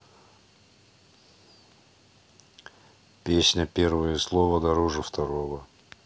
песня первое слово дороже второго